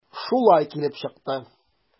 Шулай килеп чыкты.